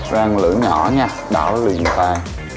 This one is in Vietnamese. rang lửa nhỏ nha đảo liền tay